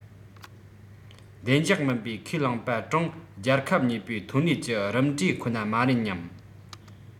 བདེ འཇགས མིན པའི ཁས བླངས པ ཀྲུང རྒྱལ ཁབ གཉིས པོའི ཐོན ལས ཀྱི རིམ གྲས ཁོ ན མ རེད སྙམ